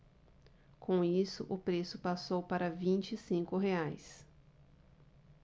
com isso o preço passou para vinte e cinco reais